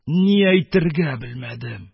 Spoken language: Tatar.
Ни әйтергә белмәдем